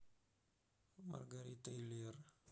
маргарита и лера